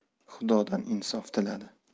xudodan insof tiladi